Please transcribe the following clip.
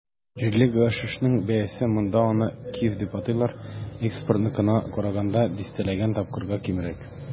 Җирле гашишның бәясе - монда аны "киф" дип атыйлар - экспортныкына караганда дистәләгән тапкырга кимрәк.